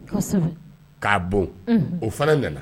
K'a bon o fana nana